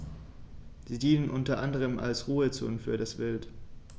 Sie dienen unter anderem als Ruhezonen für das Wild.